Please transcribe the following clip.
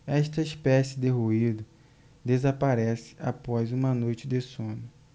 esta espécie de ruído desaparece após uma noite de sono